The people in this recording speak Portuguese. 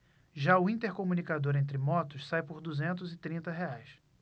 já o intercomunicador entre motos sai por duzentos e trinta reais